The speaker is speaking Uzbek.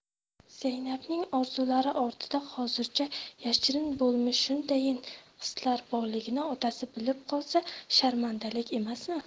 zaynabning orzulari ortida hozircha yashirin bo'lmish shundayin hislar borligini otasi bilib qolsa sharmandalik emasmi